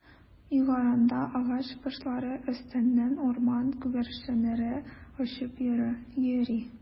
Югарыда агач башлары өстеннән урман күгәрченнәре очып йөри.